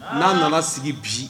N'a nana sigi bi